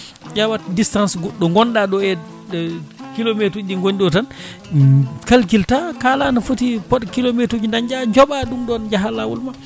ƴewat distance ɗo gonɗa ɗo e kilométre uji ɗi gooni ɗo tan calcule ta kaala no footi fodde kilométre uji dañɗa jooɓa ɗum ɗon jaaha lawol ma